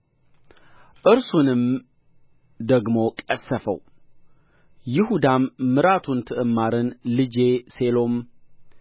እርሱንም ደግሞ ቀሠፈው ይሁዳም ምራቱን ትዕማርን ልጄ ሴሎም